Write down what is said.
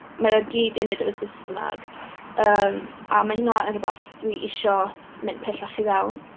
Mae o gyd i wneud efo Saesneg, yym, a ma' hynna yn rwbath dwi isio mynd pellach i fewn.